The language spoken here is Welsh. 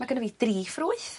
ma' gynno fi dri ffrwyth.